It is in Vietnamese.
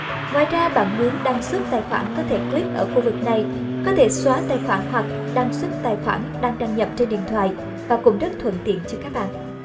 ngoài ra bạn muốn đăng xuất tài khoản có thể click ở khu vực này có thể xóa tài khoản hoặc đăng xuất tài khoản đang đăng nhập trên điện thoại và cũng rất thuận tiện cho các bạn